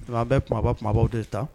Dɔnku bɛ kumaba kumabaw de ta